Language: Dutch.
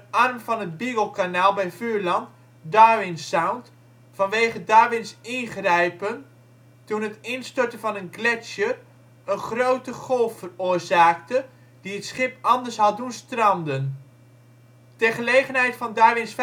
arm van het Beaglekanaal bij Vuurland Darwin Sound vanwege Darwins ingrijpen toen het instorten van een gletsjer een grote golf veroorzaakte, die het schip anders had doen stranden. Ter gelegenheid van Darwins